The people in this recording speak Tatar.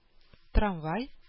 Трамвай